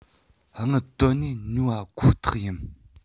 དངུལ བཏོན ནས ཉོ བ ཁོ ཐག ཡིན